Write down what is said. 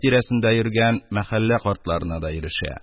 Тирәсендә йөргән мәхәллә картларына да ирешә.